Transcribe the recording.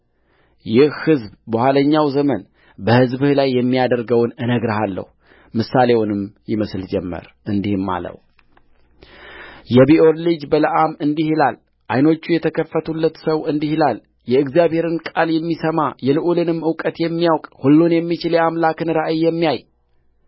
ይህ ሕዝብ በኋለኛው ዘመን በሕዝብህ ላይ የሚያደርገውን እነግርሃለሁምሳሌውንም ይመስል ጀመር እንዲህም አለየቢዖር ልጅ በለዓም እንዲህ ይላልዓይኖቹም የተከፈቱለት ሰው እንዲህ ይላልየእግዚአብሔርን ቃል የሚሰማየልዑልንም እውቀት የሚያውቅሁሉን የሚችል የአምላክን ራእይ የሚያይ